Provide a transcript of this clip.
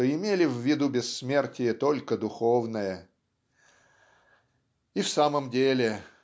что имели в виду бессмертие только духовное. И в самом деле